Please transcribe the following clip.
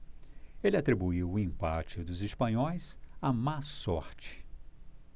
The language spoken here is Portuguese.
ele atribuiu o empate dos espanhóis à má sorte